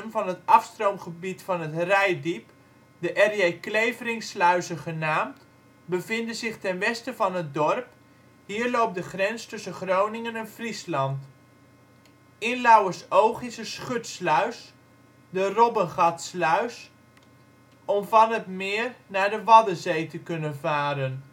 van het afstroomgebied van het Reitdiep, de R.J. Cleveringsluizen genaamd, bevinden zich ten westen van het dorp. Hier loopt de grens tussen Groningen en Friesland. In Lauwersoog is een schutsluis, de Robbengatsluis, om van het meer naar de Waddenzee te kunnen varen